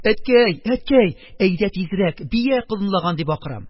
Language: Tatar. Әткәй, әткәй, әйдә тизрәк, бия колынлаган, - дип акырам.